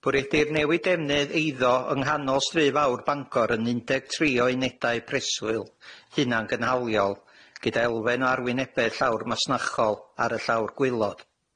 Bwriedir newid defnydd eiddo yng nghanol stryf awr Bangor yn un deg tri o unedau preswyl, hunan gynhaliol, gyda elfen o arwynebedd llawr masnachol ar y llawr gwaelodd.